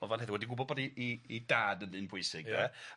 O'n fonheddig wedi gwbod bod 'i 'i 'i dad yn ddyn pwysig ia.